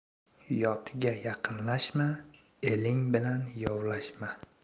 yotga yaqinlashma eling bilan yovlashma